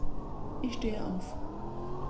Ich stehe auf.